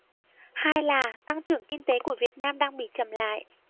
hai là tăng trưởng kinh tế của việt nam đang bị chậm lại